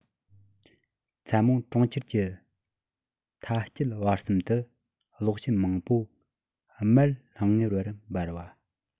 མཚན མོ གྲོང ཁྱེར གྱི མཐའ དཀྱིལ བར གསུམ དུ གློག བཞུ མང པོ དམར ལྷང ངེ བར འབར བ